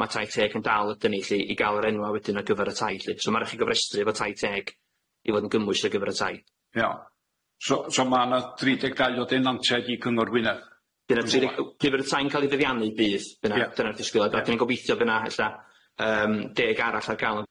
ma' tai teg yn dal ydan ni lly i ga'l yr enwa wedyn ar gyfar y tai lly so ma' raid chi gofrestru efo tai teg i fod yn gymwys ar gyfer y tai. Ia. So so ma' 'na dri deg dau o denantiaid i Cyngor Gwynedd? Pan fydd y tai yn ca'l 'i buddiannu bydd, dyna'r disgwyliad. A wedyn gobeithio bydd 'na ella yym deg arall ar ga'l